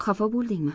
xafa bo'ldingmi